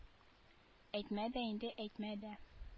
Әйтмә дә инде әйтмә дә